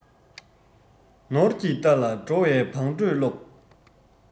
ནོར གྱི རྟ ལ འགྲོ བའི བང འགྲོས སློབས